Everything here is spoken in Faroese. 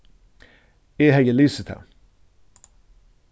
eg hevði lisið tað